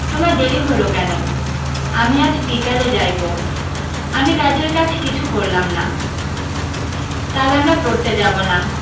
তোমার দেরি হল কেন আমি আজ বিকালে যাইব আমি কাজের কাজ কিছু করলাম না কাল আমরা পড়তে যাব না